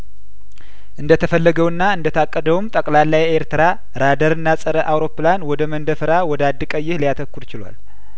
እንደ ተፈለገውና እንደታቀደውም ጠቅላላ የኤርትራ ራዳርና ጸረ አውሮፕላን ወደ መንደፈራ ወደ አዲቀይህ ሊያተኩር ችሏል